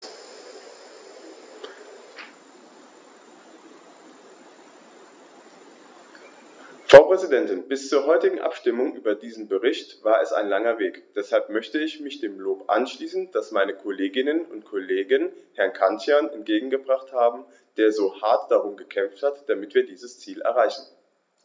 Frau Präsidentin, bis zur heutigen Abstimmung über diesen Bericht war es ein langer Weg, deshalb möchte ich mich dem Lob anschließen, das meine Kolleginnen und Kollegen Herrn Cancian entgegengebracht haben, der so hart darum gekämpft hat, damit wir dieses Ziel erreichen.